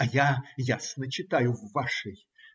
а я ясно читаю в вашей!